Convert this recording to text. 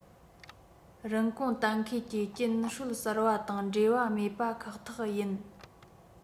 རིན གོང གཏན འཁེལ གྱི རྐྱེན སྲོལ གསར པ དང འབྲེལ བ མེད པ ཁག ཐག ཡིན